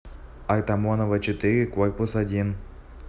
артамонова четыре корпус один